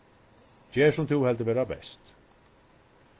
ger sum tú heldur vera best